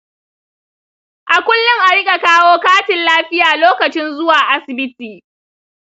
a kullum a riƙa kawo katin lafiya lokacin zuwa asibiti.